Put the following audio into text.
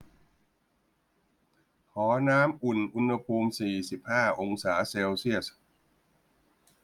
ขอน้ำอุ่นอุณหภูมิสี่สิบห้าองศาเซลเซียส